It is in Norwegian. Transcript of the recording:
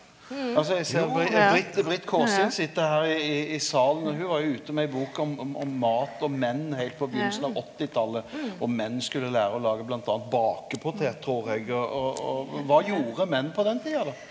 altså eg ser Britt Britt Kåsin sit her i i i salen og ho var jo ute med ei bok om om om mat og menn heilt på byrjinga av åttitalet, og menn skulle lære å lage bl.a. bakepotet trur eg og og og kva gjorde menn på den tida då?